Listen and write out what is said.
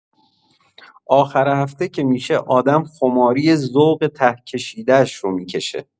آخر هفته که می‌شه آدم خماری ذوق ته کشیده‌ش رو می‌کشه.